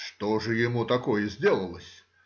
— Что же ему такое сделалось?